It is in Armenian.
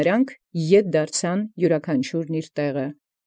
Նոքա յիւրանքանչիւր դառնային տեղիսն։